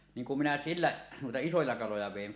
niin kun minä sillä noita isoja kaloja vein